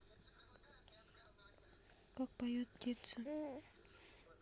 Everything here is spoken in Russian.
как поет птица